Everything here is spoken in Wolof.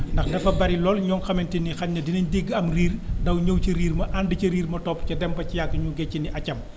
ndax dafa bari lool ñoo xamante ni xaj na dinañu dégg am riir daw ñëw ca riir ma ànd ca riir ma topp ca dem ba ci yàgg ñu jógee ci ne a cam